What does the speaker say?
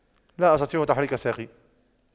لا أستطيع تحريك ساقي